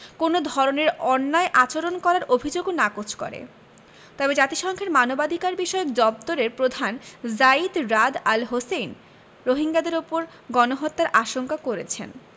কোনো ধরনের অন্যায় আচরণ করার অভিযোগও নাকচ করে তবে জাতিসংঘের মানবাধিকারবিষয়ক দপ্তরের প্রধান যায়িদ রাদ আল হোসেইন রোহিঙ্গাদের ওপর গণহত্যার আশঙ্কা করেছেন